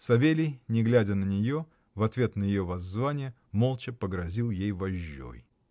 Савелий, не глядя на нее, в ответ на ее воззвание, молча погрозил ей вожжой.